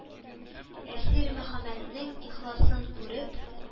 Әсир Мөхәммәтнең ихласын күреп,